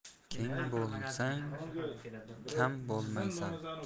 keng bo'lsang kam bo'lmaysan